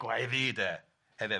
Gwae fi de hefyd.